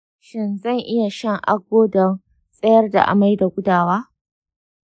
shin zan iya shan agbo don tsayar da amai da gudawa?